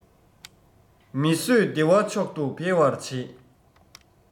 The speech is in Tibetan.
མི བཟོད བདེ བ མཆོག ཏུ འཕེལ བར བྱེད